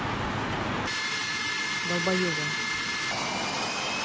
долбоеба